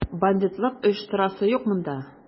Бандитлык оештырасы юк монда!